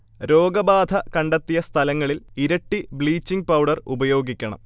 രോഗബാധ കണ്ടെത്തിയ സ്ഥലങ്ങളിൽ ഇരട്ടി ബ്ലീച്ചിങ് പൗഡർ ഉപയോഗിക്കണം